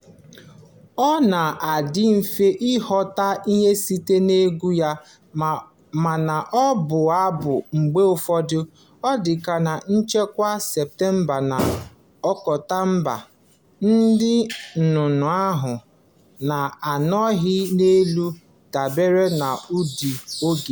Ọ na-adị mfe ịhụta ya site n'egwu ya ma ọ na-abụ abụ mgbe ụfọdụ dịka na ngwụcha Septemba na Ọktoba. Ụdị nnụnụ ahụ na-anọgharị n'elu dabere n'udu oge.